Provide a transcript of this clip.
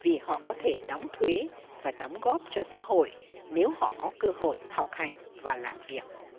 vì họ có thể đóng thuế và đóng góp cho xã hội nếu họ có cơ hội học hành và làm việc